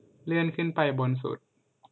เลื่อนขึ้นไปบนสุด